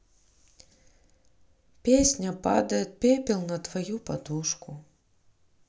песня падает пепел на твою подушку